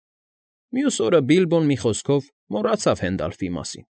Մյուս օրը Բիլբոն, մի խոսքով, մոռացավ Հենդալֆի մասին։